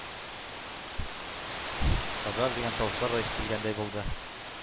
”пожар“ дигән тавышлар да ишетелгәндәй булды,